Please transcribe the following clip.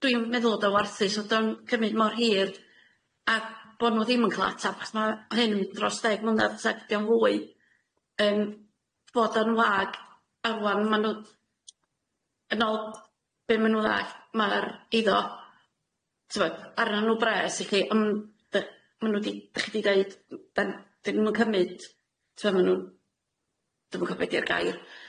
dwi'n meddwl o'dd o'n warthus o'd o'n cymyd mor hir a bo nw ddim yn ca'l atab chos ma' hyn yn dros ddeg mlynedd os nad 'di o'n fwy yym bod o'n wag a rŵan ma' nw yn ôl be ma' nw ddallt ma'r eiddo t'mod arnon nw bres felly ma' n'w di- dach chi 'di deud m- dan- 'dyn nw'n cymyd t'mod ma' nw dwi'm yn cofio be' di'r gair.